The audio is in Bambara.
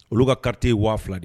Olu ka kari waaula de